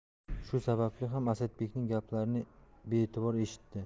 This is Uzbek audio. shu sababli ham asadbekning gaplarini bee'tibor eshitdi